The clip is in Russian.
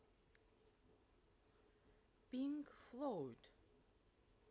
pink floyd